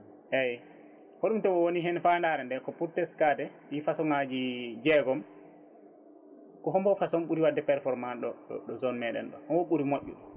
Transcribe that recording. eyyi ko ɗum tan woni hen fandare nde ko pour teskade ɗin façon ngaji jeegom ko hombo façon ɓuuri wadde performant ɗo ɗo zone meɗen ɗo hon ɓuuri moƴƴo